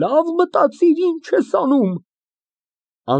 Լավ մտածիր, ինչ ես անում։